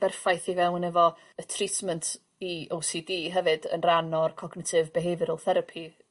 berffaith i fewn efo y treatment i ow si di hefyd yn ran o'r cognitive behavioral therapy...